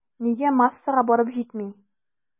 Нигә массага барып җитми?